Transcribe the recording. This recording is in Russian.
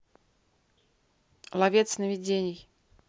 ловец сновидений